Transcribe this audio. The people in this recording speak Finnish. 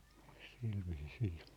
sillä viisiin